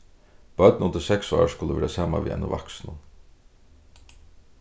børn undir seks ár skulu vera saman við einum vaksnum